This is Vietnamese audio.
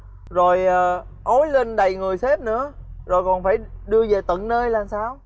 rồi à ói lên đầy người sếp nữa rồi còn phải đưa về tận nơi là sao